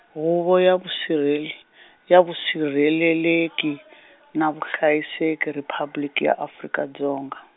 Huvo ya Vusirhele- ya Vusirheleleki, na Vuhlayiseki Riphabliki ya Afrika Dzonga.